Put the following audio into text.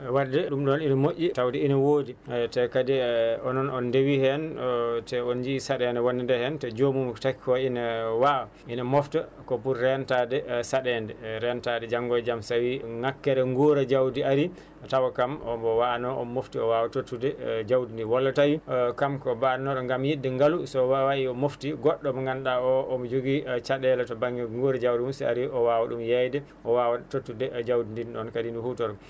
wadde ɗum ɗon ene moƴƴi tawde ene woodi e te kadi onon on dewii heen te on njii saɗede wonnde nde heen te jomum ko taki ko ina wawa ina mofta ko pour rentade saɗede rentade janŋngo e jaam so tawi ŋakkere nguura jawdi aari tawa kam omo wano omo mofti o wawa tottude jawdi ndi walla tawi kanko mbanno ɗo gaam yidde ngaau so wawa yo mofti goɗɗo mo ganduɗa o omo jogii caɗele to banŋnge nguura jawɗi mum si ari o wawa ɗum yeyde o wawa tottude jawdi ndin ɗon kadi ne hutoro